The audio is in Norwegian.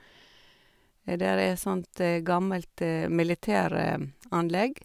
Der er sånt gammelt militæranlegg.